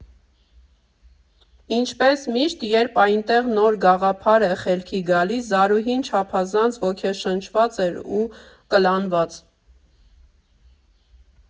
Ինչպես միշտ, երբ այնտեղ նոր գաղափար է խելքի գալիս, Զարուհին չափազանց ոգեշնչված էր ու կլանված։